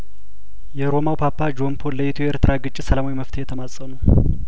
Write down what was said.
የሮማው ፓፓ ጆን ፖል ለኢትዮ ኤርትራ ግጭት ሰላማዊ መፍትሄ ተማጸኑ